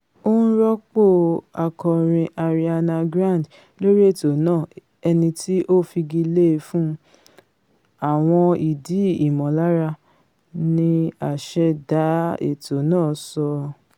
Ó ń rọ́pò akọrin Ariana Grande lórí ètò náà ẹniti ó fagilé e fún ''àwọn ìdí ìmọ̀lára,'' ni aṣẹ̀dá ètò náà sọ.